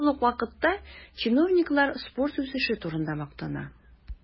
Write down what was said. Шул ук вакытта чиновниклар спорт үсеше турында мактана.